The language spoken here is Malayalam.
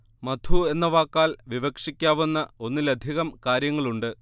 മധു എന്ന വാക്കാൽ വിവക്ഷിക്കാവുന്ന ഒന്നിലധികം കാര്യങ്ങളുണ്ട്